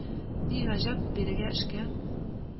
Ни гаҗәп, бирегә эшкә